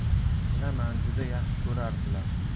bilaman juda yaxshi ko'rardilar